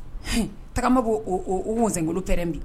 Hin, tagama b'o wɛzɛngolo pɛrɛn bi